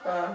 waaw